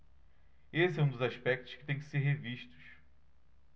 esse é um dos aspectos que têm que ser revistos